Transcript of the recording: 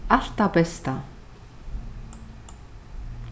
alt tað besta